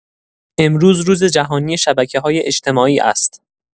امروز روز جهانی شبکه‌های اجتماعی است.